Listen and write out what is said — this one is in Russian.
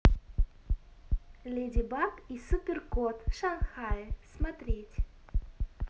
леди баг и супер кот в шанхае смотреть